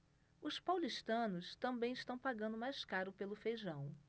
os paulistanos também estão pagando mais caro pelo feijão